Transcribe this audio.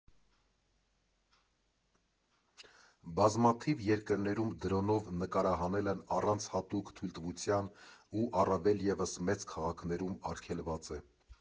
Բազմաթիվ երկրներում դրոնով նկարահանելն առանց հատուկ թույլտվության ու, առավելևս, մեծ քաղաքներում, արգելված է։